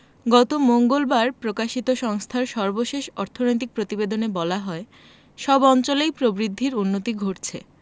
গত মঙ্গলবার প্রকাশিত সংস্থার সর্বশেষ অর্থনৈতিক প্রতিবেদনে বলা হয় সব অঞ্চলেই প্রবৃদ্ধির উন্নতি ঘটছে